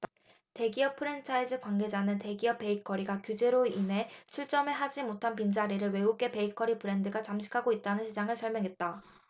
대기업 프랜차이즈 관계자는 대기업 베이커리가 규제로 인해 출점을 하지 못한 빈 자리를 외국계 베이커리 브랜드가 잠식하고 있다고 시장을 설명했다